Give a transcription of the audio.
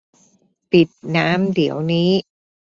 ปิดน้ำเดี๋ยวนี้